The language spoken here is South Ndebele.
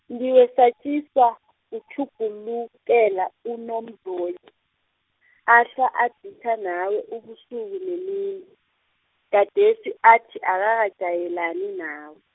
ngiwesatjiswa, kutjhugulukela uNomzoyi, ahlwa aditjha nawe ubusuku nemini, gadesi athi akakajayelani nawe.